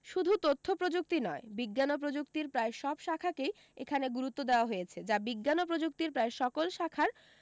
শুধু তথ্যপ্রযুক্তি নয় বিজ্ঞান ও প্রযুক্তির প্রায় সব শাখাকেই এখানে গুরুত্ব দেয়া হয়েছে যা বিজ্ঞান ও প্রযুক্তির প্রায় সকল শাখার